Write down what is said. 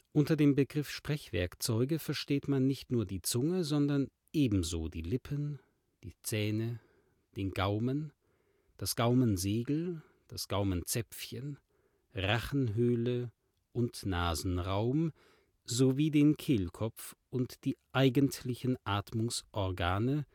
Unter dem Begriff Sprechwerkzeuge versteht man nicht nur die Zunge, sondern ebenso die Lippen, die Zähne, den Gaumen, das Gaumensegel, das Gaumenzäpfchen, Rachenhöhle und Nasenraum sowie den Kehlkopf und die eigentlichen Atmungsorgane